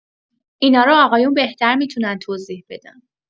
اینا رو آقایون بهتر می‌تونن توضیح بدن